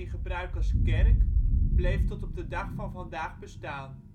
gebruik als kerk, bleef tot op de dag van vandaag bestaan